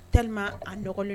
Tellement a nɔgɔlen don!